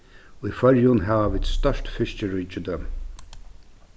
í føroyum hava vit stórt fiskiríkidømi